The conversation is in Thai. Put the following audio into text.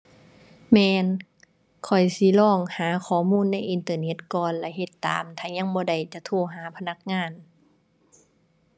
แม่น ข้อยสิลองหาข้อมูลในอินเทอร์เน็ตก่อนแล้วเฮ็ดตาม ถ้ายังบ่ได้จะโทรหาพนักงาน